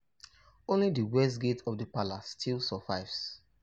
Only the west gate of the palace still survives.